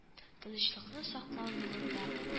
- тынычлыкны саклау юлында